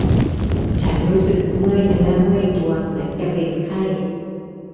ฉันรู้สึกเมื่อยเนื้อเมื่อยตัวเหมือนจะเป็นไข้